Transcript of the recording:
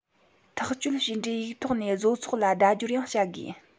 ཐག གཅོད བྱས འབྲས ཡིག ཐོག ནས བཟོ ཚོགས ལ བརྡ སྦྱོར ཡང བྱ དགོས